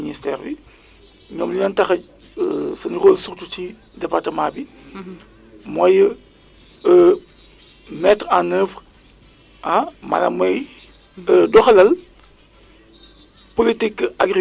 da ngay xool ni supposons fimela at bu jot dina am huit cent milimètres bon léegi di nga xool ni Foundiogne dina am supposons sept cent cinquante milimètres di nga xam ne par exemple Toubacouta dina am mille deux cent milimètres ne Fatick kat en général quatre cent cinquante milimètres lay am